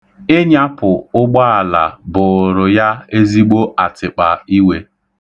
Ịnyapụ ụgbaala bụụrụ ya ezigbo atịkpa iwe.